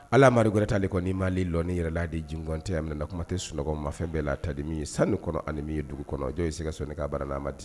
Allah ma du wɛrɛ t'al kɔ n'i m'ale jɔlen a yɛrɛ la di jigɔn te a minɛ na kuma tɛ sunɔgɔ ma ,fɛn bɛɛ allah ta di mi ye sanu kɔnɔ ani min ye dugu kɔnɔ jɔn o ye se ka sɔn k'a abada n'a m a di